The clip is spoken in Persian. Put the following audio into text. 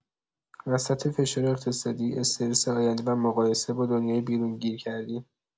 وسط فشار اقتصادی، استرس آینده و مقایسه با دنیای بیرون گیر کردیم.